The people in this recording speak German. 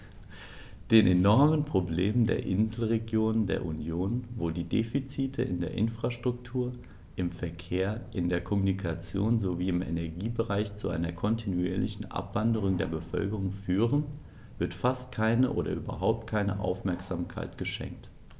Den enormen Problemen der Inselregionen der Union, wo die Defizite in der Infrastruktur, im Verkehr, in der Kommunikation sowie im Energiebereich zu einer kontinuierlichen Abwanderung der Bevölkerung führen, wird fast keine oder überhaupt keine Aufmerksamkeit geschenkt.